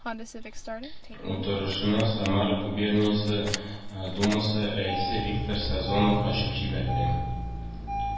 Утырышны Самара губерниясе Думасы рәисе Виктор Сазонов ачып җибәрде